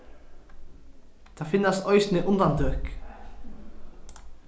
tað finnast eisini undantøk